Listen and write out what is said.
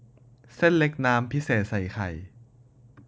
เส้นเล็กน้ำพิเศษใส่ไข่